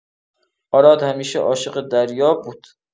آراد همیشه عاشق دریا بود.